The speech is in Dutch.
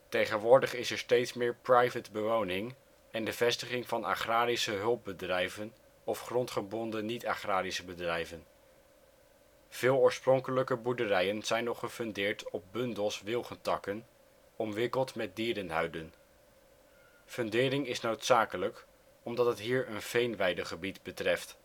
Tegenwoordig is er steeds meer private bewoning en de vestiging van agrarische hulpbedrijven of grondgebonden niet-agrarische bedrijven. Veel oorspronkelijke boerderijen zijn nog gefundeerd op bundels wilgentakken, omwikkeld met dierenhuiden. Fundering is noodzakelijk, omdat het hier een veenweidegebied betreft